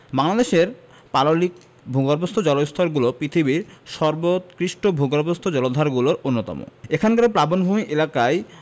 বাংলাদেশের পাললিক ভূগর্ভস্থ জলস্তরগুলো পৃথিবীর সর্বোৎকৃষ্টভূগর্ভস্থ জলাধারগুলোর অন্যতম এখানকার প্লাবনভূমি এলাকায়